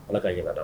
Ala ka ɲɛna da